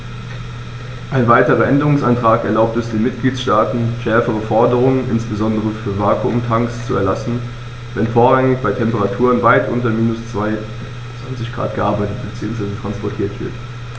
Ein weiterer Änderungsantrag erlaubt es den Mitgliedstaaten, schärfere Forderungen, insbesondere für Vakuumtanks, zu erlassen, wenn vorrangig bei Temperaturen weit unter minus 20º C gearbeitet bzw. transportiert wird.